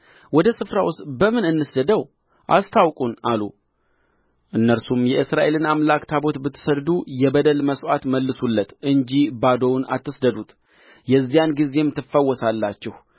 ወደ ስፍራውስ በምን እንስደደው አስታውቁን አሉ እነርሱም የእስራኤልን አምላክ ታቦት ብትሰድዱ የበደል መሥዋዕት መልሱለት እንጂ ባዶውን አትስደዱት የዚያን ጊዜም ትፈወሳላችሁ